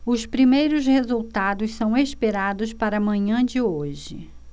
os primeiros resultados são esperados para a manhã de hoje